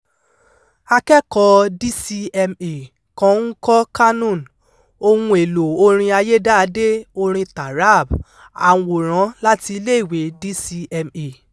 Akẹ́kọ̀ọ́ DCMA kan ń kọ́ qanun, ohun èlò orin ayédáadé orin taarab. Àwòrán láti iléèwé DCMA.